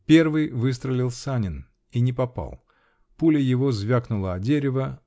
Первый выстрелил Санин -- и не попал. Пуля его звякнула о дерево.